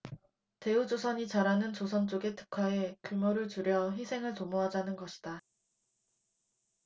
대우조선이 잘하는 조선 쪽에 특화해 규모를 줄여 회생을 도모하자는 것이다